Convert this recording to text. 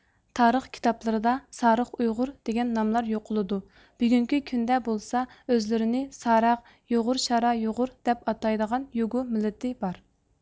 تارىخ كىتابلىرىدا سارىخ ئۇيغۇر دېگەن ناملار يولۇقىدۇ بۈگۈنكى كۈندە بولسا ئۆزلىرىنى سارەغ يۇغۇر شارا يۇغۇر دەپ ئاتايدىغان يۈگۇ مىللىتى بار